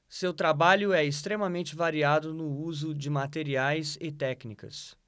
seu trabalho é extremamente variado no uso de materiais e técnicas